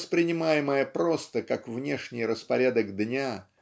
воспринимаемая просто как внешний распорядок дня